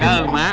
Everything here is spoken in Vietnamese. cám ơn má